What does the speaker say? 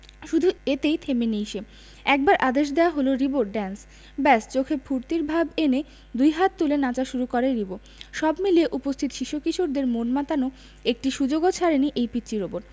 শুধু এতেই থেমে নেই সে একবার আদেশ দেওয়া হলো রিবো ড্যান্স ব্যাস চোখে ফূর্তির ভাব এনে দুই হাত তুলে নাচা শুরু করে রিবো সব মিলিয়ে উপস্থিত শিশু কিশোরদের মন মাতানোর একটি সুযোগও ছাড়েনি এই পিচ্চি রোবট